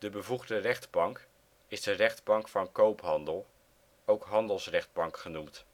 bevoegde rechtbank is de rechtbank van koophandel, ook handelsrechtbank genoemd